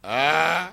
Ɛɛ